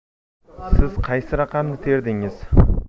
siz qaysi raqamni terdingiz